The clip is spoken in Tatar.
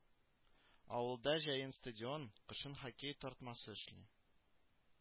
Авылда җәен стадион, кышын хоккей тартмасы эшли